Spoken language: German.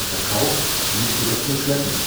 Verkauf lief jedoch nur schleppend,